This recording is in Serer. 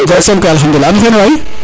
jem soom kay alkhadoulila ano xene waay